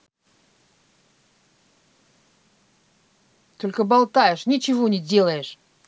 только болтаешь ничего не делаешь